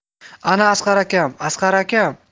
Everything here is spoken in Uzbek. ana asqar akam asqar akam